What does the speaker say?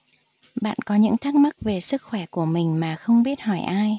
bạn có những thắc mắc về sức khỏe của mình mà không biết hỏi ai